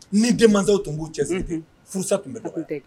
Ni denmansaw tun b'u cɛsiri, unhun, furusa tun bɛ dɔgɔya